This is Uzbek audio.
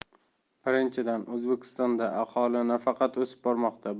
birinchidan o'zbekistonda aholi nafaqat o'sib bormoqda